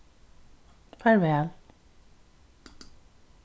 farvæl